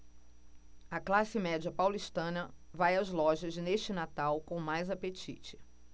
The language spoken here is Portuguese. a classe média paulistana vai às lojas neste natal com mais apetite